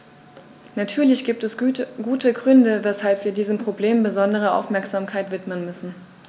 Natürlich gibt es gute Gründe, weshalb wir diesem Problem besondere Aufmerksamkeit widmen müssen.